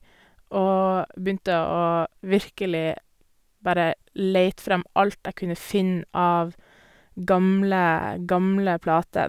Og begynte å virkelig bare leite frem alt jeg kunne finne av gamle gamle plater.